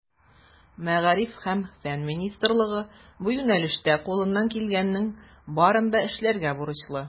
Мәгариф һәм фән министрлыгы бу юнәлештә кулыннан килгәннең барын да эшләргә бурычлы.